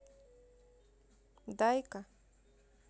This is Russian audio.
дай ка